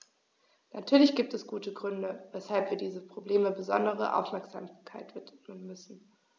Natürlich gibt es gute Gründe, weshalb wir diesem Problem besondere Aufmerksamkeit widmen müssen.